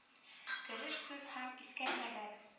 Кереш сүз һәм искәрмәләр